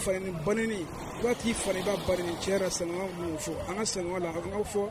Fa nɛni ba nɛni, i b'a k'i fa nɛni i b'a ba nɛni tiɲɛ yɛrɛ la sinankunya m'o fɔ, an ka sinankunya la an kan'o fɔ